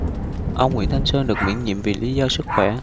ông nguyễn thanh sơn được miễn nhiệm vì lý do sức khỏe